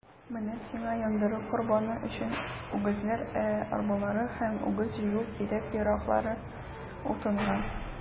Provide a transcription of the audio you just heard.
Менә сиңа яндыру корбаны өчен үгезләр, ә арбалары һәм үгез җигү кирәк-яраклары - утынга.